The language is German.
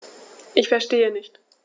Ich verstehe nicht.